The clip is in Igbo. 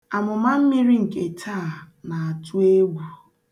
Amụmammiri nke taa na-atụ egwu.